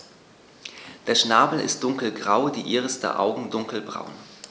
Der Schnabel ist dunkelgrau, die Iris der Augen dunkelbraun.